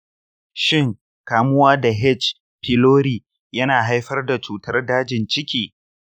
shin kamuwa da h. pylori yana haifar da cutar dajin ciki?